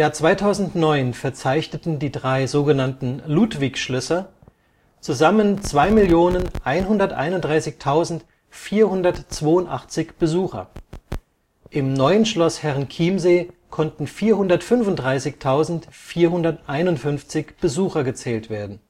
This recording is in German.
2009 verzeichneten die drei „ Ludwig-Schlösser “zusammen 2.131.482 Besucher, im Neuen Schloss Herrenchiemsee konnten 435.451 Besucher gezählt werden